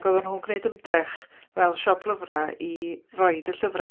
ac oedden nw'n gwneud ymdrech, fel siop lyfrau, i roid y llyfrau.